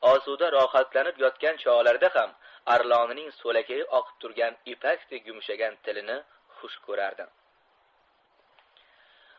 osuda rohatlanib yotgan chog'larida ham arlonining so'lakayi oqib turgan ipakdek yumshagan tilini xush ko'rardi